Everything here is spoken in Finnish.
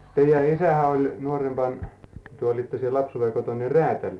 teidän isähän oli nuorempana te olitte siellä lapsuuden kotona niin räätäli